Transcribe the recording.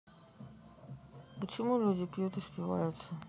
почему люди пьют и спиваются